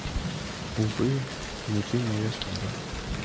увы не ты моя судьба